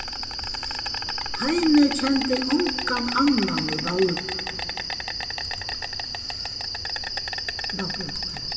heini kendi ongan annan í ballinum